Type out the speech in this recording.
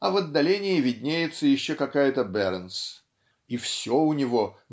а в отдалении виднеется еще какая-то Беренс и все у него